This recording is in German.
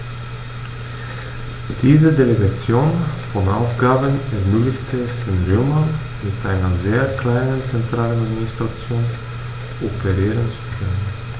Diese Delegation von Aufgaben ermöglichte es den Römern, mit einer sehr kleinen zentralen Administration operieren zu können.